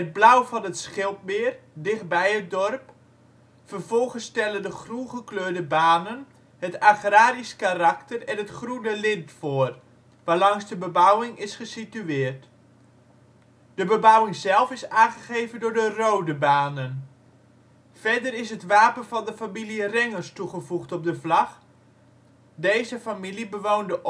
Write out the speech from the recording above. blauw van het Schildmeer dicht bij het dorp. Vervolgens stellen de groengekleurde banen het agrarisch karakter en het groene lint voor, waarlangs de bebouwing is gesitueerd. De bebouwing zelf is aangegeven door de rode banen. Verder is het wapen van de familie Rengers toegevoegd op de vlag. Deze familie bewoonde